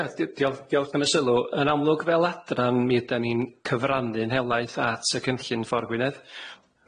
Ie di- diol- diolch am y sylw. Yn amlwg fel adran mi ydan ni'n cyfrannu'n helaeth at y cynllun Ffor Gwynedd.